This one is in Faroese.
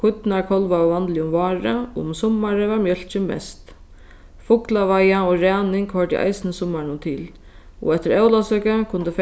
kýrnar kálvaðu vanliga um várið og um summarið var mjólkin mest fuglaveiða og ræning hoyrdu eisini summarinum til og eftir ólavsøku kundi